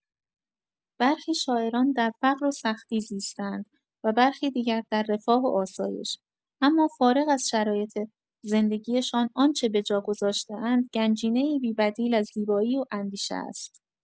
بعضی شاعران در فقر و سختی زیسته‌اند و برخی دیگر در رفاه و آسایش، اما فارغ از شرایط زندگی‌شان، آنچه به جا گذاشته‌اند، گنجینه‌ای بی‌بدیل از زیبایی و اندیشه است.